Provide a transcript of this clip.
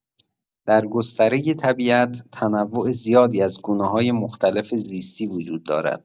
در گستره طبیعت، تنوع زیادی از گونه‌های مختلف زیستی وجود دارد.